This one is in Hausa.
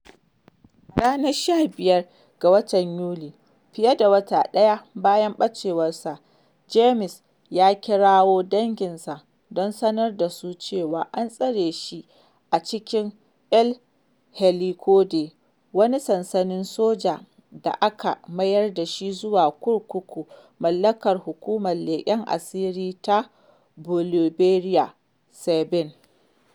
A ranar 15 ga Yuni, fiye da wata ɗaya bayan ɓacewar sa, Jaimes ya kira danginsa don sanar da su cewa an tsare shi a cikin El Helicoide, wani sansanin soja da aka mayar dashi zuwa kurkuku mallakar Hukumar Leƙen Asiri ta Boliberiya, SEBIN.